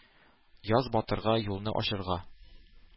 Яз батырга юлны ачырга.